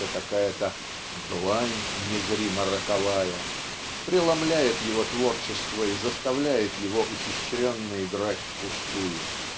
что какая-то "длань незримо-роковая" преломляет его творчество и заставляет его ухищренно играть впустую.